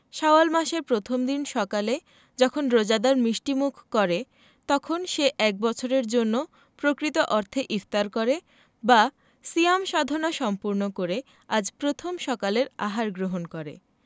শাওয়াল মাসের প্রথম দিন সকালে যখন রোজাদার মিষ্টিমুখ করে তখন সে এক বছরের জন্য প্রকৃত অর্থে ইফতার করে বা সিয়াম সাধনা সম্পূর্ণ করে আজ প্রথম সকালের আহার গ্রহণ করে